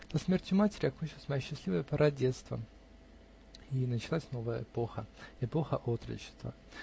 Со смертью матери окончилась моя счастливая пора детства и началась новая эпоха -- эпоха отрочества